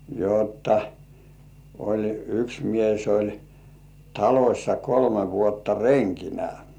jotta oli yksi mies oli talossa kolme vuotta renkinä